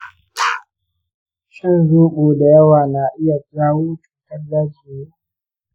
shan zobo da yawa na iya jawo cutar daji ne?